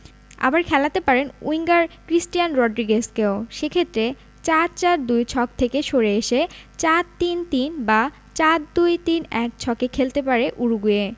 আবার খেলাতে পারেন উইঙ্গার ক্রিস্টিয়ান রড্রিগেজকেও সে ক্ষেত্রে ৪ ৪ ২ ছক থেকে সরে এসে ৪ ৩ ৩ বা ৪ ২ ৩ ১ ছকে খেলতে পারে উরুগুয়ে